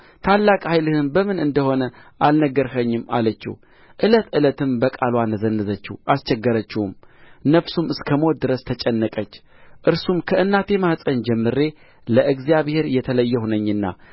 ታላቅ ኃይልህም በምን እንደ ሆነ አልነገርኸኝም አለችው ዕለት ዕለትም በቃልዋ ነዘነዘችው አስቸገረችውም ነፍሱም እስከ ሞት ድረስ ተጨነቀች እርሱም ከእናቴ ማኅፀን ጀምሬ ለእግዚአብሔር የተለየሁ ነኝና